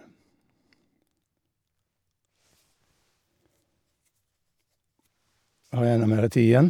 Har jeg ennå mere tid igjen?